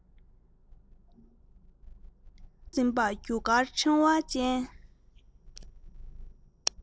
རི བོང འཛིན པ རྒྱུ སྐར ཕྲེང བ ཅན